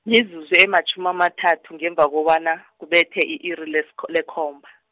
mizuzu ematjhumi amathathu ngemva kobana, kubethe i-iri lesko- lekhomba.